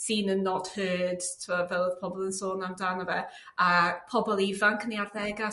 seen and not heard t'mod fel odd pobol yn sôn amdano fe a pobol ifanc yn 'u arddega a